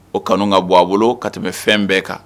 O kanu ka bɔ a bolo ka tɛmɛ bɛ fɛn bɛɛ kan.